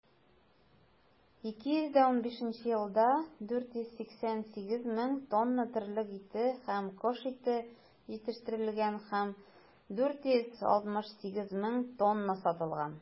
2015 елда 488 мең тонна терлек ите һәм кош ите җитештерелгән һәм 468 мең тонна сатылган.